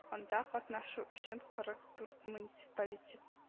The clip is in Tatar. Анда катнашу өчен кырык дурт муниципалитет